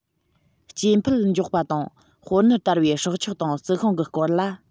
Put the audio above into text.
སྐྱེ འཕེལ མགྱོགས པ དང སྤོ ནུར དལ བའི སྲོག ཆགས དང རྩི ཤིང གི སྐོར ལ